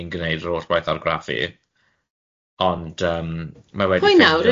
ni'n gwneud yr holl gwaith argraffu, ond yym mae wedi... pwy nawr?